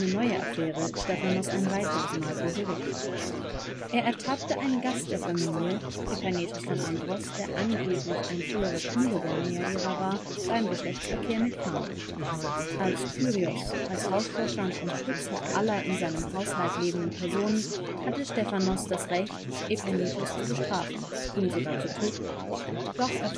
neue Affäre Stephanos ein weiteres Mal vor Gericht. Er ertappte einen Gast der Familie – Epainetos von Andros, der angeblich ein früherer Kunde der Neaira war – beim Geschlechtsverkehr mit Phano. Als kyrios, als Hausvorstand und Schutzherr aller in seinem Haushalt lebenden Personen, hatte Stephanos das Recht, Epainetos zu bestrafen, ihn sogar zu töten. Doch forderte